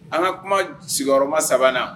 An ka kuma j sigiyɔrɔma 3 nan